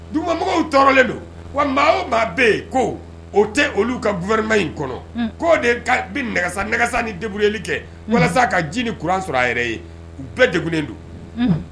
Dugumamɔgɔw tɔrɔlen don, wa maa o maa bɛ yen k'o o tɛ olu ka _gouvernement in kɔnɔ. Un! Ko de bɛ nagasanagasa ni débrouller li kɛ walasa ka ji ni courant sɔr'a yɛrɛ ye, u bɛ tɔrɔlen don. Unhun.